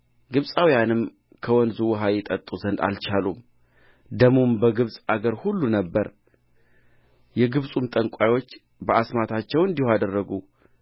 ግብፃውያንም ከወንዙ ውኃ ይጠጡ ዘንድ አልቻሉም ደሙም በግብፅ አገር ሁሉ ነበረ የግብፅም ጠንቋዮች በአስማታቸው እንዲሁ አደረጉ